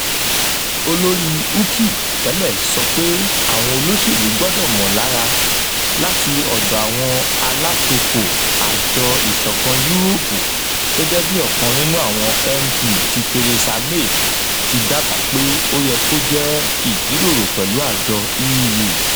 Olori Ukip tẹlẹ sọ pe awọn oloselu gbọdọ 'ni igbona ooru naa' lati awọn Eurosceptics - gẹgẹbi ọkan nínú awọn MP ti Theresa May ti daba pe o yẹ ki o jẹ olujiroro pẹlu EU: